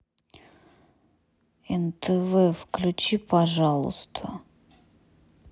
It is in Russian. нтв включи пожалуйста